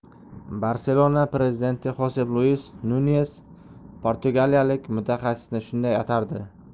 barselona prezidenti xosep luis nunyes portugaliyalik mutaxassisni shunday atardi